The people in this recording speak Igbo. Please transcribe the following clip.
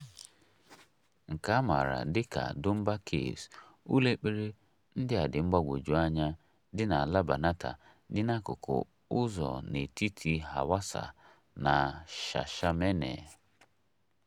Nke a maara dị ka Dunbar Caves, ụlọ ekpere ndị a dị mgbagwoju anya dị na ala Banatah dị n'akụkụ ụzọ n'etiti Hawassa na Shashamene.